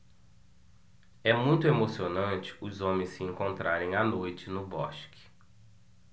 é muito emocionante os homens se encontrarem à noite no bosque